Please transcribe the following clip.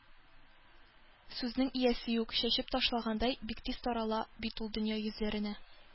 Сүзнең иясе юк, чәчеп ташлагандай, бик тиз тарала бит ул дөнья йөзләренә.